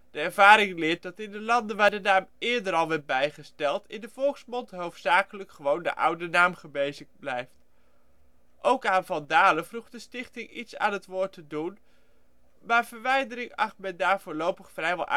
de ervaring leert dat in de landen waar de naam eerder al werd bijgesteld in de volksmond hoofdzakelijk gewoon de oude naam gebezigd blijft. Ook aan Van Dale vroeg de stichting iets aan het woord te doen, maar verwijdering acht men daar voorlopig vrijwel